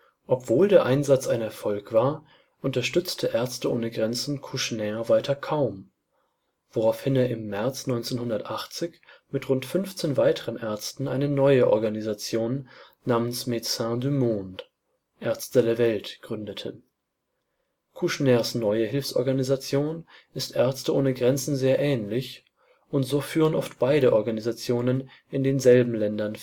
Obwohl der Einsatz ein Erfolg war, unterstützte Ärzte ohne Grenzen Kouchner weiter kaum – woraufhin er im März 1980 mit rund 15 weiteren Ärzten eine neue Organisation namens Médecins du Monde („ Ärzte der Welt “) gründete. Kouchners neue Hilfsorganisation ist Ärzte ohne Grenzen sehr ähnlich, und so führen oft beide Organisationen in denselben Ländern